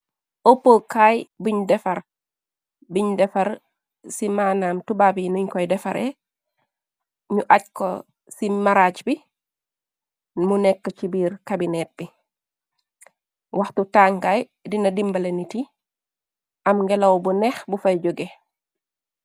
Uppè kaay biñ defar biñ defar ci maanaam tubab yi nuñ koy defare ñu aj ko ci maraaj bi mu nekk ci biir kabinet bi waxtu tàngaay dina dimbale nit yi am ngelaw bu neex bu fay jogeh.